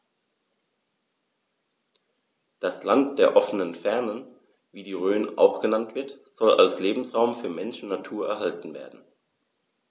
Das „Land der offenen Fernen“, wie die Rhön auch genannt wird, soll als Lebensraum für Mensch und Natur erhalten werden.